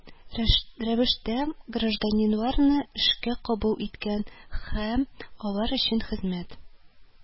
Рәвештә гражданнарны эшкә кабул иткән һәм алар өчен хезмәт